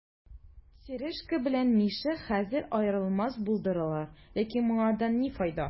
Сережка белән Миша хәзер аерылмас булдылар, ләкин моңардан ни файда?